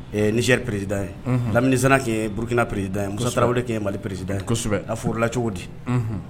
Ɛ nisiri prid ye lamini burukina pereri da ye muso tarawele de tun ye mali pererid yesɛbɛ a furula cogo di